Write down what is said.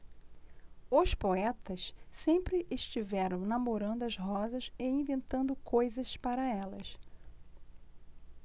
os poetas sempre estiveram namorando as rosas e inventando coisas para elas